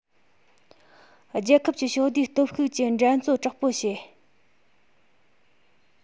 རྒྱལ ཁབ ཀྱི ཕྱོགས བསྡུས སྟོབས ཤུགས ཀྱི འགྲན རྩོད དྲག པོ བྱེད